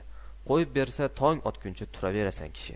qo'yib bersa tong otguncha turaverasan kishi